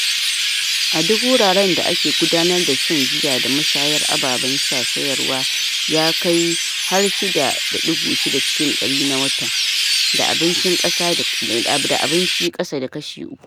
A duk wuraren da ake gudanar da shan giya da mashayar ababen sha sayarwa ya kai har 6.6 cikin dari na watan, da abinci kasa da kashi uku. "